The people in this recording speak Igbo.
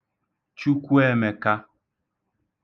Chukwuēmēkā